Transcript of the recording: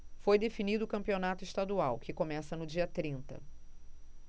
foi definido o campeonato estadual que começa no dia trinta